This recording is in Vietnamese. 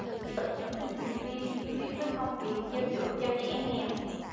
những tình nguyện viên nhiệt huyết với công việc gieo chữ cho trẻ em nghèo